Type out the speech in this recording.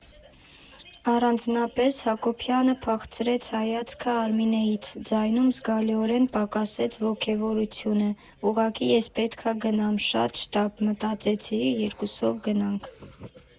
Առանձնապես, ֊ Հակոբյանը փախցրեց հայացքը Արմինեից, ձայնում զգալիորեն պակասեց ոգևորությունը, ֊ ուղղակի ես պետք ա գնամ, շատ շտապ, մտածեցի՝ երկուսով գնանք։